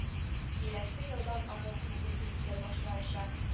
Киләсе елдан авыл клубы төзелә башлаячак